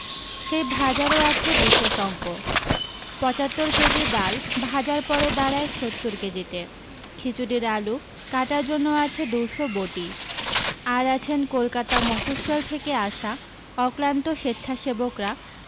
সেই ভাজারও আছে বিশেষ অঙ্ক পঁচাত্তর কেজি ডাল ভাজার পরে দাঁড়ায় সত্তর কেজিতে খিচুড়ির আলু কাটার জন্য আছে দুশো বঁটি আর আছেন কলকাতা মফস্বল থেকে আসা অক্লান্ত স্বেচ্ছাসেবকরা